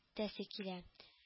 Тәсе килә